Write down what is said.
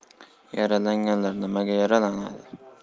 yaralanganlar nimaga yaralanadi